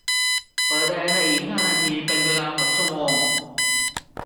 เปิดแอร์ในอีกห้านาทีเป็นเวลาหกชั่วโมง